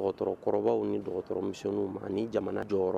W nimisɛnw ma ani jamana jɔyɔrɔ